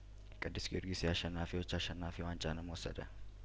ቅዱስ ጊዮርጊስ የአሸናፊዎች አሸናፊ ዋንጫንም ወሰደ